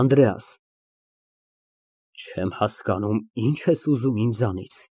ԱՆԴՐԵԱՍ ֊ Չեմ հասկանում, ինչ ես ուզում ինձանից։